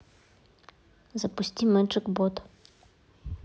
запусти мэджик бот